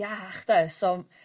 iach 'de so m-